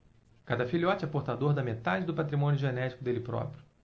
cada filhote é portador da metade do patrimônio genético dele próprio